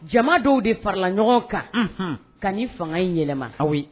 Jama dɔw de faralaɲɔgɔn kan ka nin fanga in yɛlɛma aw